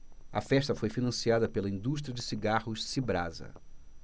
a festa foi financiada pela indústria de cigarros cibrasa